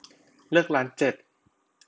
เลือกร้านเจ็ด